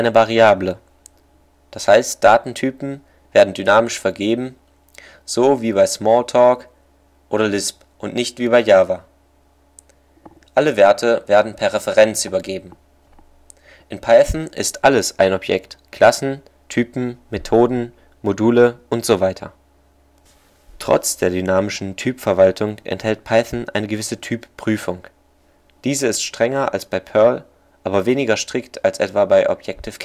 Variable, d. h. Datentypen werden dynamisch vergeben, so wie bei Smalltalk oder LISP – und nicht wie bei Java. Alle Werte werden per Referenz übergeben. In Python ist alles ein Objekt; Klassen, Typen, Methoden, Module etc. Trotz der dynamischen Typverwaltung enthält Python eine gewisse Typprüfung. Diese ist strenger als bei Perl, aber weniger strikt als etwa bei Objective